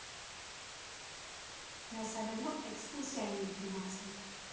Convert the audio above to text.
Դասարանով էքսկուրսիա էինք գնացել։